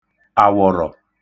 àwọ̀rọ̀